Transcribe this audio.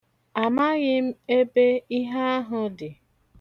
Amaghị m ebe ihe ahụ dị.